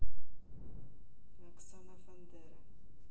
оксана фандера